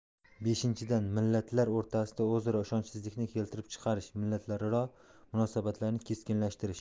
beshinchidan millatlar o'rtasida o'zaro ishonchsizlikni keltirib chiqarish millatlararo munosabatlarni keskinlashtirish